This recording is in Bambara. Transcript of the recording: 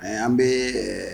Ɛ an bɛ